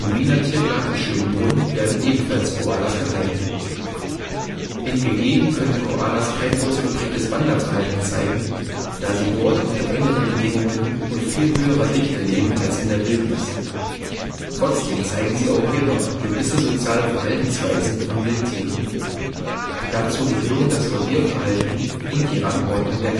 Wiener Tiergarten Schönbrunn werden ebenfalls Koalas gehalten. In Gehegen können Koalas kein ausgeprägtes Wanderverhalten zeigen, da sie dort unter engeren Bedingungen und viel höherer Dichte leben als in der Wildnis. Trotzdem zeigen sie auch hier noch gewisse soziale Verhaltensweisen von Wildtieren. Dazu gehören das Revierverhalten und die Rangordnung der